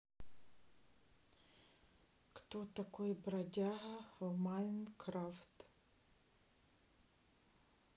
кто такой бродяга в майнкрафт